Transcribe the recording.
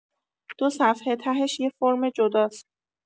دو صفحه تهش یه فرم جداست.